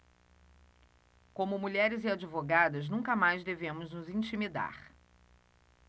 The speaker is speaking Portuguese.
como mulheres e advogadas nunca mais devemos nos intimidar